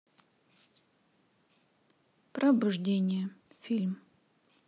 пробуждение фильм